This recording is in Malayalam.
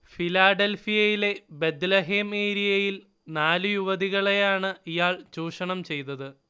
ഫിലാഡൽഫിയയിലെ ബത്ലഹേം ഏരിയയിൽ നാലു യുവതികളെയാണ് ഇയാൾ ചൂഷണം ചെയ്തത്